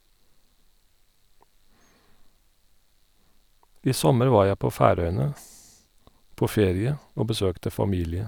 I sommer var jeg på Færøyene på ferie og besøkte familie.